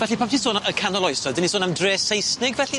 Felly pan ti'n sôn yy y canol oesoedd, 'dan ni'n sôn am dre Seisnig felly?